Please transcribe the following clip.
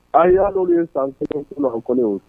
Ayi hali n'olu ye san